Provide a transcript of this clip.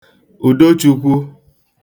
Ùdochukwu